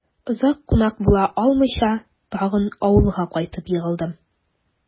Озак кунак була алмыйча, тагын авылга кайтып егылдым...